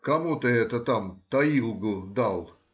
— Кому ты это там таилгу дал?